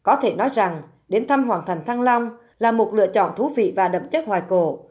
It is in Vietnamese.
có thể nói rằng đến thăm hoàng thành thăng long là một lựa chọn thú vị và đậm chất hoài cổ